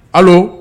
Allo